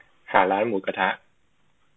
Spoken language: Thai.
หาร้านหมูกระทะ